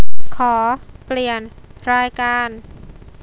ขอเปลี่ยนรายการ